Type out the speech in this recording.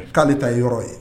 K'ale ta ye yɔrɔ ye